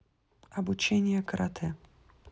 обучение каратэ